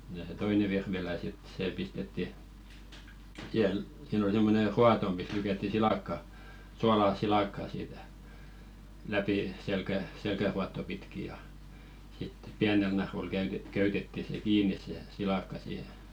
ja se toinen virvilä sitten se pistettiin - siinä oli semmoinen ruoto missä lykättiin silakka suolaa silakkaan siitä läpi - selkäruotoa pitkin ja sitten pienellä narulla - köytettiin se kiinni se silakka siihen